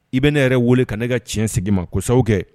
I bɛ ne yɛrɛ wele ka ne ka tiɲɛ sigi ma kosaw kɛ